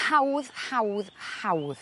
Hawdd hawdd hawdd.